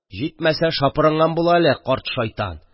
– җитмәсә, шапырынган була әле, карт шайтан!